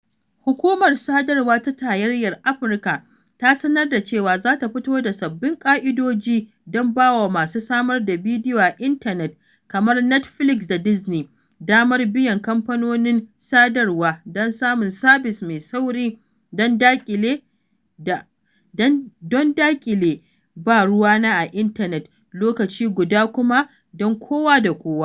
Hukumar Sadarwa ta Tarayyar Amurka ta sanar da cewa zata fito da sabbin ƙa’idoji don bawa masu samar da bidiyo a intanet, kamar Netflix da Disney, damar biyan kamfanonin sadarwa don samun sabis mai sauri, don daƙile ba ruwana a intanet lokaci guda kuma don kowa da kowa.